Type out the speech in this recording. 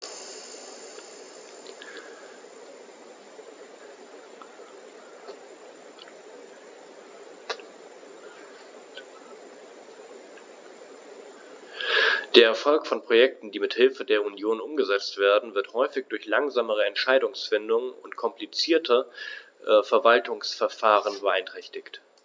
Der Erfolg von Projekten, die mit Hilfe der Union umgesetzt werden, wird häufig durch langsame Entscheidungsfindung und komplizierte Verwaltungsverfahren beeinträchtigt.